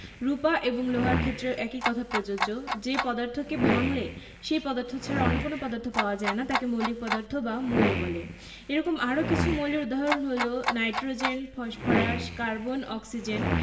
3.1 মৌলিক ও যৌগিক পদার্থঃ মৌলিক পদার্থ তোমরা নিশ্চয় সোনা রুপা বা লোহা দেখেছ বিশুদ্ধ সোনাকে তুমি যতই ভাঙ না কেন সেখানে সোনা ছাড়া আর কিছু পাবে না